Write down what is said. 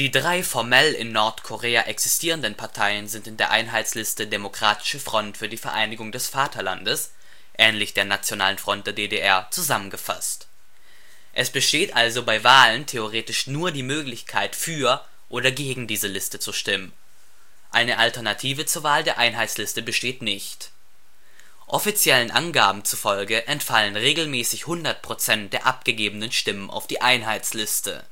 drei formell in Nordkorea existierenden Parteien sind in der Einheitsliste „ Demokratische Front für die Vereinigung des Vaterlandes “(ähnlich der Nationalen Front der DDR) zusammengefasst. Es besteht also bei Wahlen theoretisch nur die Möglichkeit für oder gegen diese Liste zu stimmen. Eine Alternative zur Wahl der Einheitsliste besteht nicht. Offiziellen Angaben zufolge entfallen regelmäßig 100 % der abgegebenen Stimmen auf die Einheitsliste